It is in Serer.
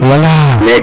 wala